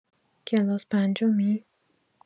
کلاس پنجمی؟